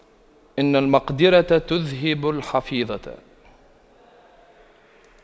إن المقْدِرة تُذْهِبَ الحفيظة